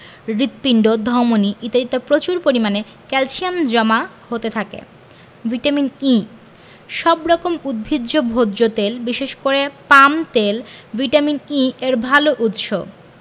হৃৎপিণ্ড ধমনি ইত্যাদিতে প্রচুর পরিমাণে ক্যালসিয়াম জমা হতে থাকে ভিটামিন E সব রকম উদ্ভিজ্জ ভোজ্য তেল বিশেষ করে পাম তেল ভিটামিন E এর ভালো উৎস